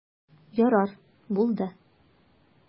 Ярар, булды.